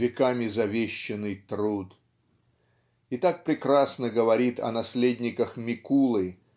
веками завещанный труд" и так прекрасно говорит о наследниках Микулы